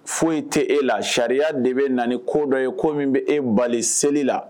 Foyi tɛ e la sariya de bɛ na ni ko dɔ ye ko min bɛ e bali seli